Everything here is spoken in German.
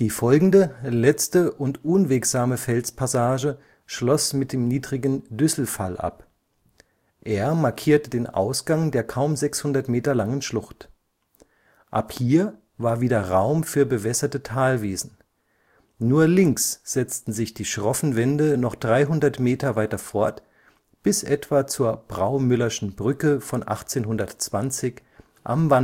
folgende, letzte und unwegsame Felspassage schloss mit dem niedrigen Düsselfall ab. Er markierte den Ausgang der kaum 600 m langen Schlucht. Ab hier war wieder Raum für bewässerte Talwiesen. Nur links setzten sich die schroffen Wände noch 300 m weiter fort bis etwa zur Braumüllerschen Brücke von 1820 am